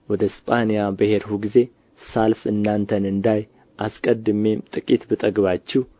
ወደ እስጳንያ በሄድሁ ጊዜ ሳልፍ እናንተን እንዳይ አስቀድሜም ጥቂት ብጠግባችሁ